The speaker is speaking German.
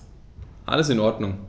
Alles in Ordnung.